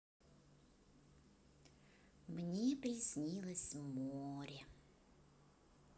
мне приснилось море